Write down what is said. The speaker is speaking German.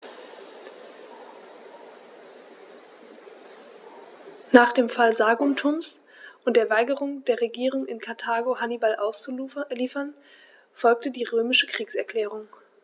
Nach dem Fall Saguntums und der Weigerung der Regierung in Karthago, Hannibal auszuliefern, folgte die römische Kriegserklärung.